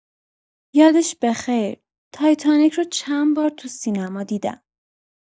یادش بخیر، تایتانیک رو چند بار تو سینما دیدم.